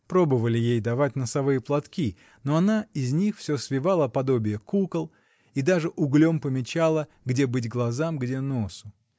Пробовали ей давать носовые платки, но она из них всё свивала подобие кукол, и даже углем помечала, где быть глазам, где носу.